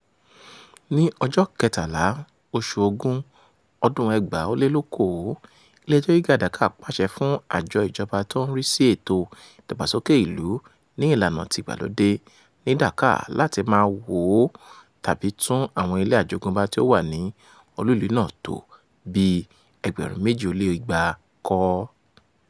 Ní ọjọ́ 13, oṣù Ògún ọdún-un 2018, Ilé-ẹjọ́ Gíga Dhaka pàṣẹ fún àjọ ìjọba tí ó ń rí sí ètò ìdàgbàsókè ìlú ní ìlànà tìgbàlódé ní Dhaka láti máà wó tàbí tún àwọn ilé àjogúnbá tí ó wà ní olú-ìlú náà tó bíi 2,200 kọ́.